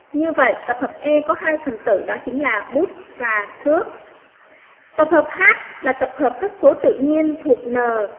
như vậy tập hợp a có phần tử đó chính là bút và thước tập hợp h là tập hợp các số tự nhiên thuộc n